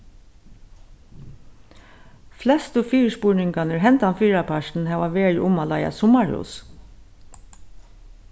flestu fyrispurningarnir hendan fyrrapartin hava verið um at leiga summarhús